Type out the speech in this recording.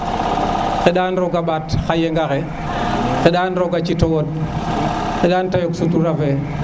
xeɗan roga mbat xa yenga xe xendan roga ci to wod xeɗan te yok surura fe